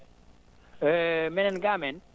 minen ga amen